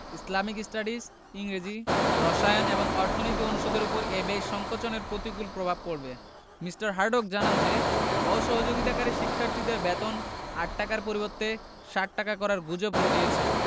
Islamic studies ইংরেজি রসায়ন এবং অর্থনীতি অনুষদের ওপর এ ব্যয় সংকোচনের প্রতিকূল প্রভাব পড়বে মি. হার্টগ জানান যে অসহযোগিতাকারীরা শিক্ষার্থীদের বেতন ৮ টাকার পরিবর্তে ৬০ টাকা করার গুজব রটিয়েছে